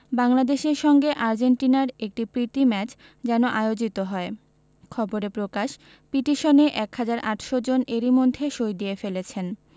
বাংলাদেশের সঙ্গে আর্জেন্টিনার একটি প্রীতি ম্যাচ যেন আয়োজিত হয় খবরে প্রকাশ পিটিশনে ১ হাজার ৮০০ জন এরই মধ্যে সই দিয়ে ফেলেছেন